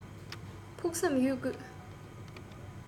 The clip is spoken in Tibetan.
ཕུགས བསམ ཡོད དགོས